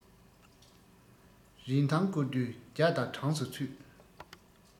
རིན ཐང སྐོར དུས བརྒྱ སྟར གྲངས སུ ཚུད